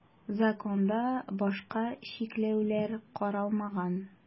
Законда башка чикләүләр каралмаган.